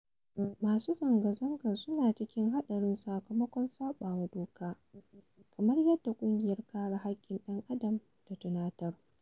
Masu zanga-zangar su na cikin haɗari sakamakon sun saɓawa doka, kamar yadda ƙungiyar Kare Haƙƙin ɗan adam ta tunatar.